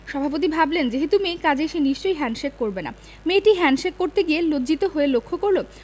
সভাপতি ভাবলেন যেহেতু মেয়ে কাজেই সে নিশ্চয়ই হ্যাণ্ডশেক করবে না মেয়েটি হ্যাণ্ডশেক করতে গিয়ে লজ্জিত হয়ে লক্ষ্য করল